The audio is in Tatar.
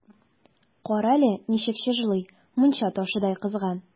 Кара әле, ничек чыжлый, мунча ташыдай кызган!